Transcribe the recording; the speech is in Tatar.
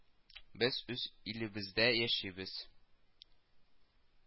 Без үз илебездә яшибез